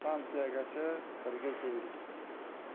stansiyagacha birga keldik